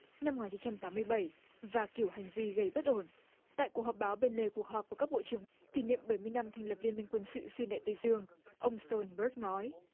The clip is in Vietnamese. năm một nghìn chín trăm tám mươi bảy và kiểu hành vi gây bất ổn tại cuộc họp báo bên lề cuộc họp của các bộ trưởng kỷ niệm bảy mươi năm thành lập liên minh quân sự xuyên đại tây dương ông tơn sần bớt nói